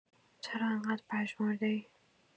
چرا انقدر پژمرده‌ای؟